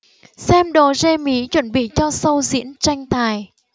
xem đồ rê mí chuẩn bị cho show diễn tranh tài